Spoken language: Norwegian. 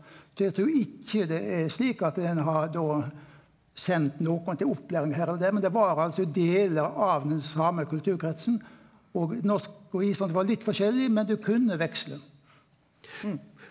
så eg trur ikkje det er slik at ein har då sendt nokon til opplæring her eller der, men det var altså delar av den same kulturkretsen og norsk og islandsk var litt forskjellig men du kunne veksle.